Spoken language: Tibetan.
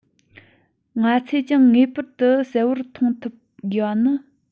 ང ཚོས ཀྱང ངེས པར དུ གསལ པོར མཐོང ཐུབ དགོས པ ནི